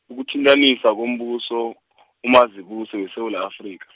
ukuthintanisa kombuso , uMazibuse weSewula Afrika.